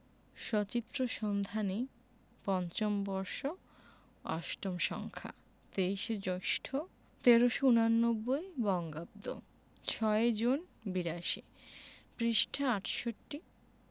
সচিত্র সন্ধানী৫ম বর্ষ ৮ম সংখ্যা ২৩ জ্যৈষ্ঠ ১৩৮৯ বঙ্গাব্দ/৬ জুন৮২ পৃষ্ঠাঃ ৬৮